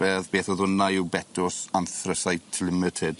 Be' o'dd beth o'dd wnna yw Betws Anthracite Limited.